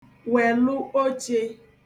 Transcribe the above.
wèlụ ochē